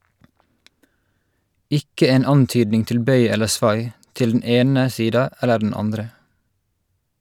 Ikke en antydning til bøy eller svai, til den ene sida eller den andre.